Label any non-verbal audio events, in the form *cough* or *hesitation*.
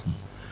*hesitation*